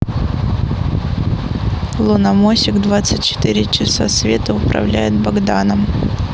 лунамосик двадцать четыре часа света управляет богданом